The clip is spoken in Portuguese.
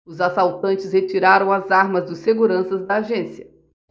os assaltantes retiraram as armas dos seguranças da agência